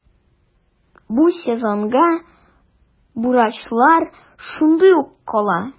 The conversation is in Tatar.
Бу сезонга бурычлар шундый ук кала.